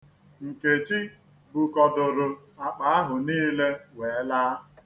Nkechi bukọdoro akpa ahụ niile wee laa.